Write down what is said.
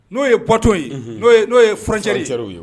N'o ye bɔto ye n'o ye furancɛ cɛw ye